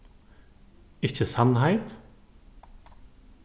ikki sannheit